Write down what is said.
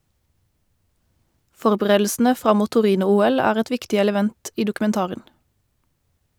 Forberedelsene fram mot Torino-OL er et viktig element i dokumentaren.